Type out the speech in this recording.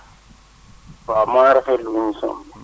waa maa ngi rafetlu émission bi